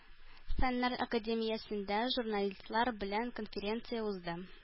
Фәннәр академиясендә журналистлар белән конференция узды.